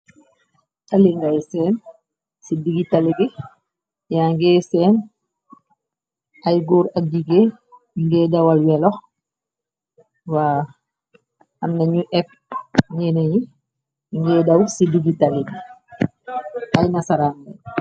Tali ngay seen ci digi tali bi yaa nge seen ay góor ak jigeen nu ngee dawal welo wa am nañu épp ñeene yi ngae daw ci dugi tali bi ay na saranleen.